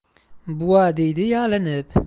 buva deydi yalinib